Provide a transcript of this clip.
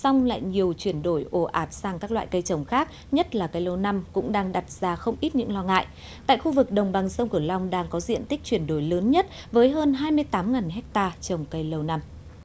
song lại nhiều chuyển đổi ồ ạt sang các loại cây trồng khác nhất là cây lâu năm cũng đang đặt ra không ít những lo ngại tại khu vực đồng bằng sông cửu long đang có diện tích chuyển đổi lớn nhất với hơn hai mươi tám ngàn héc ta trồng cây lâu năm